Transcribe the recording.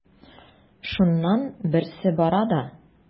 Шуннан берсе бара да:.